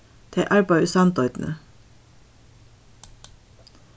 tey arbeiða í sandoynni